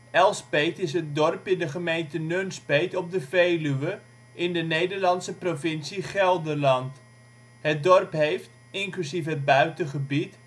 Elspeet is een dorp in de gemeente Nunspeet op de Veluwe, in de Nederlandse provincie Gelderland. Het dorp heeft, inclusief het buitengebied